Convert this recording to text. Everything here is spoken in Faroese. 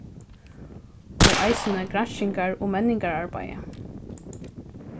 og eisini granskingar og menningararbeiði